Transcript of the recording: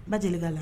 N ba deli k'a la